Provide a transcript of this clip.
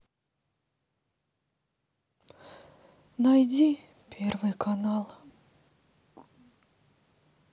найди первый канал